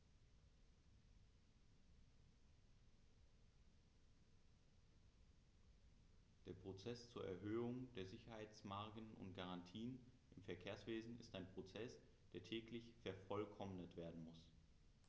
Der Prozess zur Erhöhung der Sicherheitsmargen und -garantien im Verkehrswesen ist ein Prozess, der täglich vervollkommnet werden muss.